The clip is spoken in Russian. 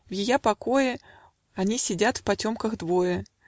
В ее покое Они сидят в потемках двое